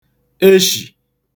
eshì